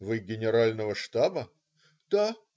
- "Вы генерального штаба?" - "Да".